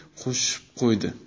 qo'shib qo'ydi